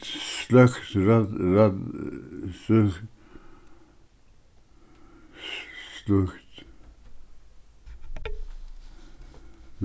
sløkk sløkk